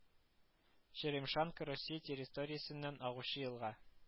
Черемшанка Русия территориясеннән агучы елга